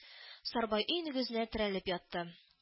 Сарбай өй нигезенә терәлеп ятты